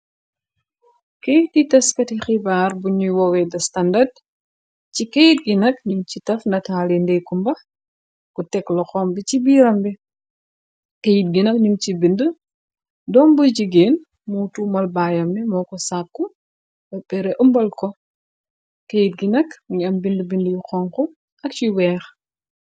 Keytitas kati xibaar buñuy wowe da standard. Ci keyit gi nag ñum ci taf nataali ndeeku mbax ku teg lu xom bi ci biirambe. Keyit gina ñum ci bind dom buy jigeen muo tuumal baayamne moo ko sàkku weppre ëmbal ko. Keyit gi nag mi am bind bind y xonku ak yuy weex.